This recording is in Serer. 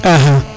axa